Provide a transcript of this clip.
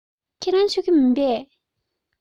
ཁྱོད རང མཆོད ཀྱི མིན པས